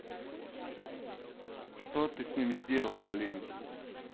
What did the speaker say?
что ты с ним сделал блин